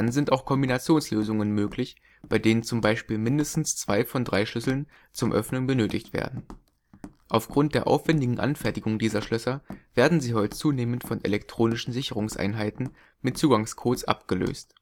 sind auch Kombinationslösungen möglich, bei denen z. B. mindestens zwei von drei Schlüsseln zum Öffnen benötigt werden. Aufgrund der aufwendigen Anfertigung dieser Schlösser werden sie heute zunehmend von elektronischen Sicherungseinheiten mit Zugangscodes abgelöst